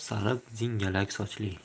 sariq jingalak sochli